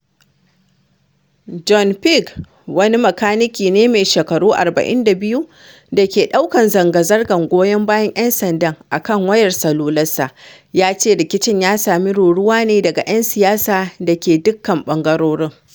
Joan Puig, wani makanike mai shekaru 42 da ke daukan zanga-zangar goyon bayan ‘yan sanda a kan wayar salularsa, ya ce rikicin ya sami ruruwa ne daga ‘yan siyasa da ke dukkan bangarorin.